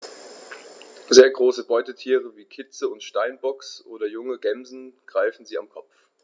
Sehr große Beutetiere wie Kitze des Steinbocks oder junge Gämsen greifen sie am Kopf.